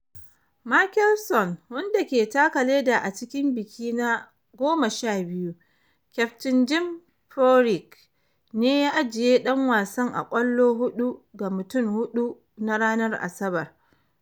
Mickelson, wanda ke taka leda a cikin biki na 12, kyaftin Jim Furyk ne ya ajiye dan wasan a kwallo hudu ga mutum hudu na ranar Asabar.